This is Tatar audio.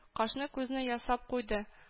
Кашны-күзне ясап куйды